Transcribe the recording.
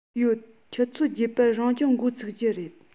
ཡོད ཆུ ཚོད བརྒྱད པར རང སྦྱོང འགོ ཚུགས ཀྱི རེད